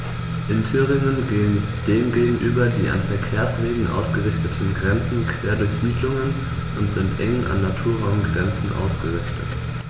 In Thüringen gehen dem gegenüber die an Verkehrswegen ausgerichteten Grenzen quer durch Siedlungen und sind eng an Naturraumgrenzen ausgerichtet.